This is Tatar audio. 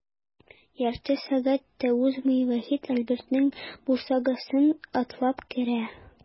Ярты сәгать тә узмый, Вахит Альбертның бусагасын атлап керә.